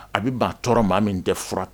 A bi maa tɔɔrɔ maa min tɛ fura ta.